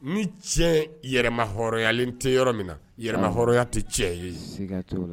Ni cɛyalen tɛ yɔrɔ min na hɔrɔnya tɛ cɛ ye